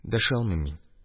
Дәшә алмыйм мин.